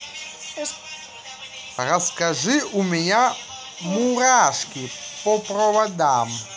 расскажи у меня мурашки по проводам